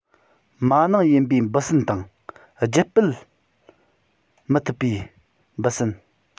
མ ནིང ཡིན པའི འབུ སྲིན དང རྒྱུད སྤེལ མི ཐུབ པའི འབུ སྲིན